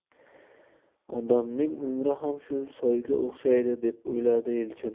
odamning umri ham shu soyga o'xshaydi deb o'yladi elchin